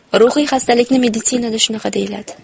ruhiy xastalikni meditsinada shunaqa deyiladi